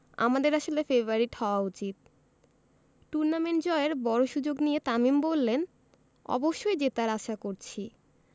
আমাদের আসলে ফেবারিট হওয়া উচিত টুর্নামেন্ট জয়ের বড় সুযোগ নিয়ে তামিম বললেন অবশ্যই জেতার আশা করছি